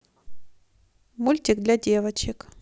мультики для девочек